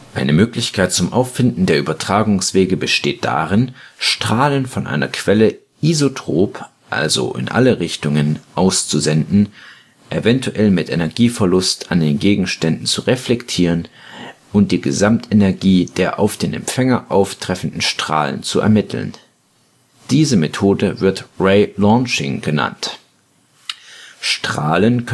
Eine Möglichkeit zum Auffinden der Übertragungswege besteht darin, Strahlen von einer Quelle isotrop (in alle Richtungen) auszusenden, eventuell mit Energieverlust an den Gegenständen zu reflektieren und die Gesamtenergie der auf den Empfänger auftreffenden Strahlen zu ermitteln. Diese Methode wird Ray launching genannt. Strahlen